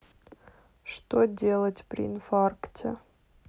что делать при инфаркте